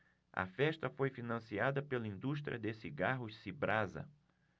a festa foi financiada pela indústria de cigarros cibrasa